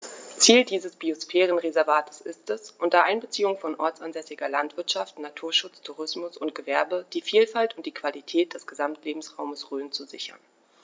Ziel dieses Biosphärenreservates ist, unter Einbeziehung von ortsansässiger Landwirtschaft, Naturschutz, Tourismus und Gewerbe die Vielfalt und die Qualität des Gesamtlebensraumes Rhön zu sichern.